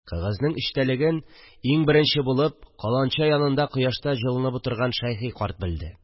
Кәгазьнең эчтәлеген иң беренче булып каланча янында кояшта җылынып утырган Шәйхи карт белде